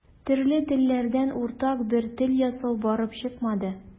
Төрле телләрдән уртак бер тел ясау барып чыкмады.